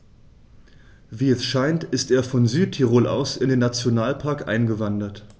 Wie es scheint, ist er von Südtirol aus in den Nationalpark eingewandert.